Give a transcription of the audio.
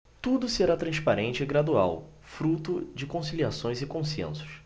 tudo será transparente e gradual fruto de conciliações e consensos